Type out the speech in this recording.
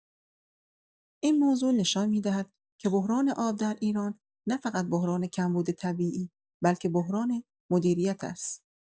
این موضوع نشان می‌دهد که بحران آب در ایران، نه‌فقط بحران کمبود طبیعی، بلکه بحران مدیریت است.